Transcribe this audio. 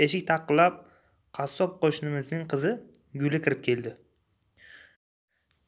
eshik taqillab qassob qo'shnimizning qizi guli kirib keldi